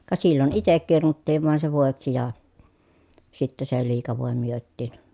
ka silloin itse kirnuttiin vain se voiksi ja sitten se liika voi myytiin